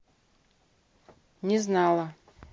не знала